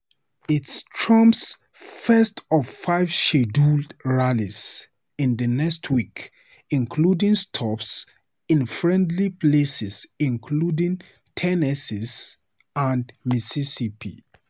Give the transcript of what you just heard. It's Trump's first of five scheduled rallies in the next week, including stops in friendly places including Tennessee and Mississippi.